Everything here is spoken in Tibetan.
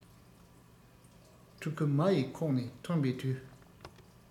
ཕྲུ གུ མ ཡི ཁོག ནས ཐོན པའི དུས